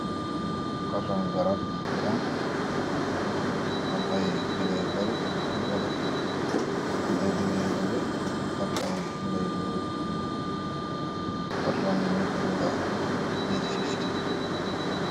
katran garab wi m, am ay binay wari, iñu faref am ay binayu bole, ab aci katrawn yi ñu fa binda a-f0.